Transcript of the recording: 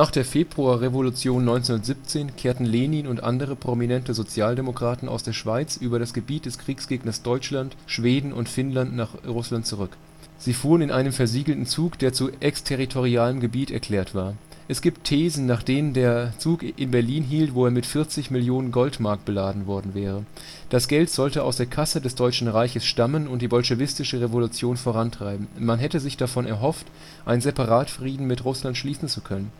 der Februarrevolution 1917 kehrten Lenin und andere prominente Sozialdemokraten aus der Schweiz über das Gebiet des Kriegsgegners Deutschland, Schweden und Finnland nach Russland zurück. Sie fuhren in einem versiegelten Zug, der zu exterritorialem Gebiet erklärt war. Es gibt Thesen, nach denen der Zug in Berlin hielt, wo er mit 40 Millionen Goldmark beladen worden wäre. Das Geld sollte aus der Kasse des Deutschen Reiches stammen und die bolschewistische Revolution vorantreiben. Man hätte sich davon erhofft, einen Separatfrieden mit Russland schließen zu können